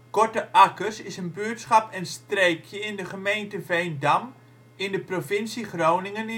Korte Akkers is een buurtschap en streekje in de gemeente Veendam in de provincie Groningen